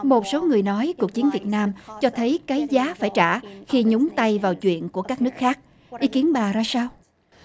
một số người nói cuộc chiến việt nam cho thấy cái giá phải trả khi nhúng tay vào chuyện của các nước khác ý kiến bà ra sao